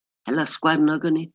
Hela sgwarnog o'n i.